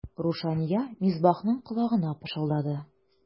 Рушания Мисбахның колагына пышылдады.